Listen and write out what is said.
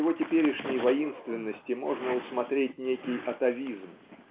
в его теперешней воинственности можно усмотреть некий атавизм